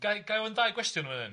Gai gai ofyn dau gwestiwn fan hyn?